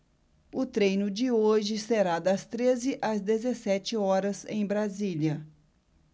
o treino de hoje será das treze às dezessete horas em brasília